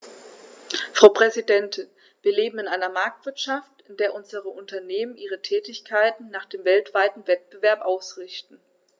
Frau Präsidentin, wir leben in einer Marktwirtschaft, in der unsere Unternehmen ihre Tätigkeiten nach dem weltweiten Wettbewerb ausrichten.